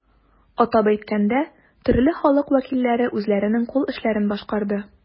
Атап әйткәндә, төрле халык вәкилләре үзләренең кул эшләрен башкарды.